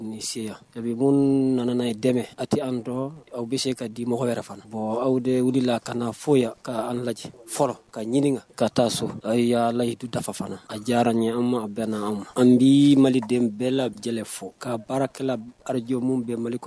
Sebi minnu ye dɛmɛ a tɛ an dɔ aw bɛ se ka di mɔgɔw yɛrɛ fana bon aw de wulila la ka fɔ yan ka an lajɛ fɔlɔ ka ɲininka ka taa so a y'alayidu dafa fana a diyara ɲɛ an ma bɛɛ na an ma an bɛ maliden bɛɛ lajɛ fɔ ka baarakɛla arajmu bɛɛ mali kɔnɔ